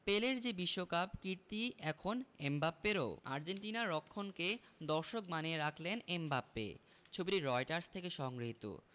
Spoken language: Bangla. পেলের যে বিশ্বকাপ কীর্তি এখন এমবাপ্পেরও আর্জেন্টিনার রক্ষণকে দর্শক বানিয়ে রাখলেন এমবাপ্পে ছবিটি রয়টার্স থেকে সংগৃহীত